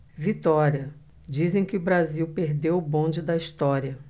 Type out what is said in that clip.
vitória dizem que o brasil perdeu o bonde da história